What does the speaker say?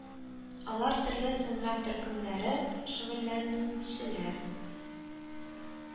Алар төрле сәнгать төркемнәре шөгыльләнү челәр